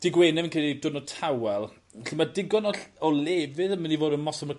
Dy' Gwener fi'n credu yw'r diwrnod tawel. Felly ma' digon o ll o lefydd yn myn' i fo' ymosod am y